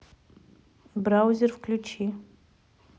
браузер включи